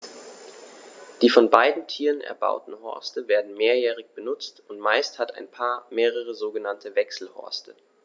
Die von beiden Tieren erbauten Horste werden mehrjährig benutzt, und meist hat ein Paar mehrere sogenannte Wechselhorste.